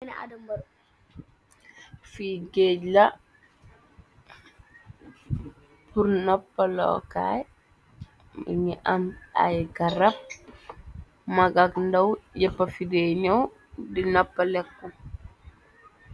Fi gaage la purr nopalu kai mongi am ay garab maag ak ndaw yepa fi deh nyow di nupaleku.